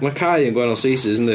Ma' cae yn gwahanol sizes, yndi?